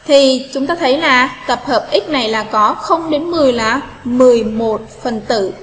khi chúng ta thấy là tập hợp x này là có đến là phần tử